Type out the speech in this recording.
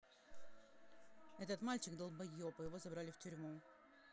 это мальчик долбоеб его забрали в тюрьму